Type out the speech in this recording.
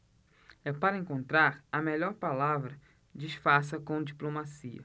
é para encontrar a melhor palavra disfarça com diplomacia